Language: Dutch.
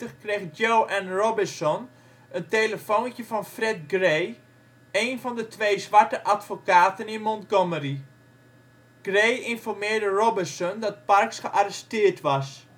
Ann Robinson een telefoontje van Fred Gray, één van de twee zwarte advocaten in Montgomery. Gray informeerde Robinson dat Parks gearresteerd was